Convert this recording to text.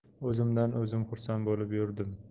o'zimdan o'zim xursand bo'lib yurdim